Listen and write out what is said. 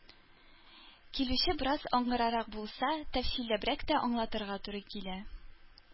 Килүче бераз аңгырарак булса, тәфсилләбрәк тә аңлатырга туры килә.